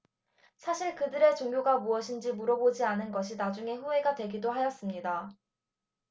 사실 그들의 종교가 무엇인지 물어보지 않은 것이 나중에 후회가 되기도 하였습니다